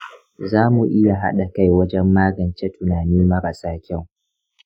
za mu iya haɗa kai wajan magance tunani marasa kyau .